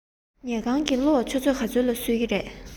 ཉལ ཁང གི གློག ཆུ ཚོད ག ཚོད ལ གསོད ཀྱི རེད